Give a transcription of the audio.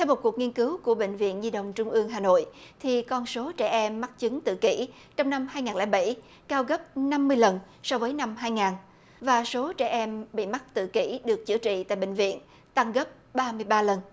theo một cuộc nghiên cứu của bệnh viện nhi đồng trung ương hà nội thì con số trẻ em mắc chứng tự kỷ trong năm hai ngàn lẻ bảy cao gấp năm mươi lần so với năm hai ngàn và số trẻ em bị mắc tự kỷ được chữa trị tại bệnh viện tăng gấp ba mươi ba lần